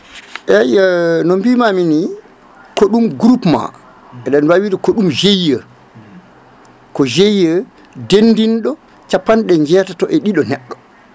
eyyi no mbimami ni ko ɗum groupement eɗen mawi wide ko ɗum GIE ko GIE ndendinɗo capanɗe jeetato e ɗiɗi neɗɗo